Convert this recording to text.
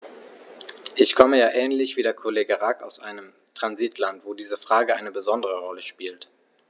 Ich komme ja ähnlich wie der Kollege Rack aus einem Transitland, wo diese Frage eine besondere Rolle spielt.